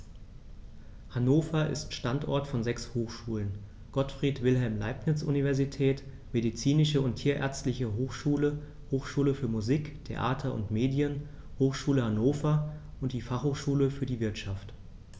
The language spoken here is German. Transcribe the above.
Hannover ist Standort von sechs Hochschulen: Gottfried Wilhelm Leibniz Universität, Medizinische und Tierärztliche Hochschule, Hochschule für Musik, Theater und Medien, Hochschule Hannover und die Fachhochschule für die Wirtschaft.